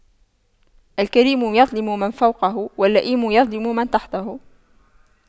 الكريم يظلم من فوقه واللئيم يظلم من تحته